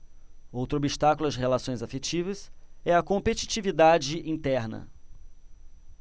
outro obstáculo às relações afetivas é a competitividade interna